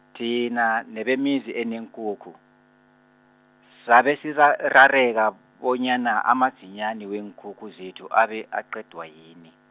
thina nabemizi eneenkukhu, sabe sisa- rareka, bonyana amadzinyani weenkukhu zethu abe aqedwa yini.